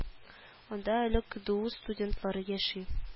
Анда әле кду студентлары яши